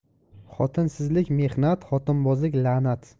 xotinsizlik mehnat xotinbozlik la'nat